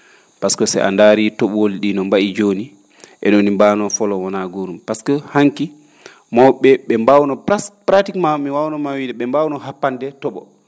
pasque so a ndaarii to?ooli ?ii no bayi jooni e no ?i mbano foloo wonaa goorum pasque ha?ki maw?e ?ee ?e mbawno pres pratiquement mi waawno maa wiide ?e mbawno happande to?o